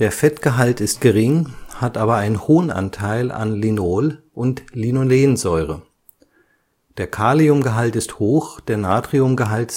Fettgehalt ist gering, hat aber einen hohen Anteil an Linol - und Linolensäure (550 – 718 Milligramm Linolsäure und 78 – 92 Milligramm Linolensäure je 100 Gramm Frischmasse). Der Kalium-Gehalt ist hoch, der Natriumgehalt